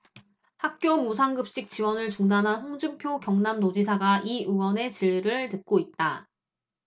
학교 무상급식 지원을 중단한 홍준표 경남도지사가 이 의원의 질의를 듣고 있다